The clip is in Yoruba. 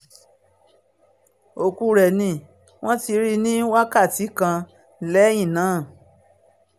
òkú rẹ̀ ni wọ́n rí ní wákàtí kan lẹ́yìn náà.